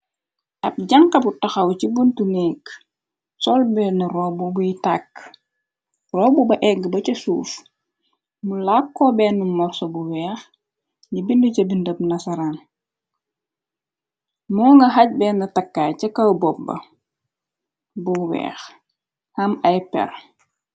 Ab jànka bu taxaw ci buntu nekk, sol benn roobu buyi tàkka. Roobu ba egg ba ca suus, mu làkkoo benn morso bu weex, yi bind ca bindëm nasaraan , moo nga xaj benn takkaay ca kaw bopba bu weex, ham ay per.